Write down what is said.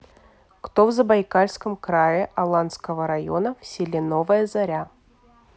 кто в забайкальском крае аланского района в селе новая заря